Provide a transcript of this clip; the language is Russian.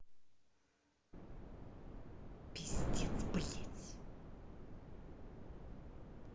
пиздец блядь